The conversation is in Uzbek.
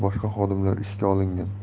boshqa xodimlar ishga olingan